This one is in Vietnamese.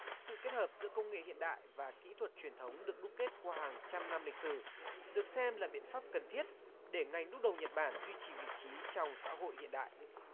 sự kết hợp giữa công nghệ hiện đại và kỹ thuật truyền thống được đúc kết qua hàng trăm năm lịch sử được xem là biện pháp cần thiết để ngành đúc đồng nhật bản duy trì vị trí trong xã hội hiện đại